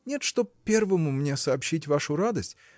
– Нет, чтоб первому мне сообщить вашу радость